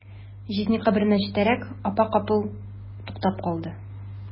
Җизни каберенә җитәрәк, апа капыл туктап калды.